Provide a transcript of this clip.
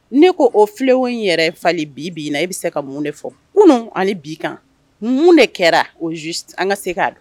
Ne ko o filenwo in yɛrɛ fali bi bi in na e bɛ se ka mun de fɔ kunun ani bi kan mun de kɛra o an ka se k'a dɔn